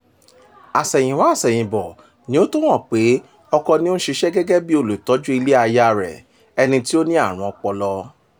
Àsẹ̀yìnwá àṣẹ̀yìnbọ̀ ni ó tó hán pé ọkọ ni ó ń ṣiṣẹ́ gẹ́gẹ́ bí olùtọ́jú ilé aya rẹ̀, ẹni tí ó ní àrùn ọpọlọ.